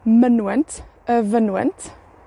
Mynwent, y fynwent.